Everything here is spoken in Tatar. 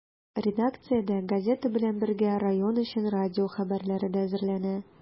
Редакциядә, газета белән бергә, район өчен радио хәбәрләре дә әзерләнә.